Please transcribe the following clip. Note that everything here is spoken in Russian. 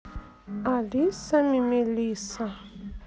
алиса мемилиса